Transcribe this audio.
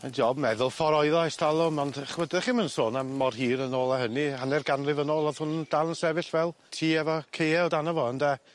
Mae'n job meddwl ffor oedd o ers talwm ond yy d'ch'mod 'dych chi'm yn sôn am mor hir yn ôl â hynny hanner ganrif yn ôl o'dd hwn dal yn sefyll fel tŷ efo caee o dano fo ynde?